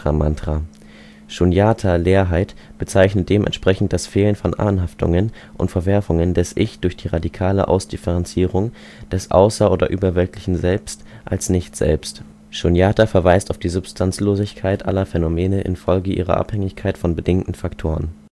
Mantra). Shunyata (Leerheit) bezeichnet dementsprechend das Fehlen von Anhaftungen und Verwerfungen des Ich durch die radikale Ausdifferenzierung des außer - oder überweltlichen Selbst als Nicht-Selbst. Shunyata verweist auf die Substanzlosigkeit aller Phänomene infolge ihrer Abhängigkeit von bedingenden Faktoren